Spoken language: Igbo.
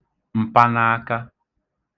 m̀panaaka